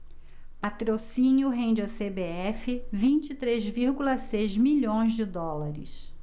patrocínio rende à cbf vinte e três vírgula seis milhões de dólares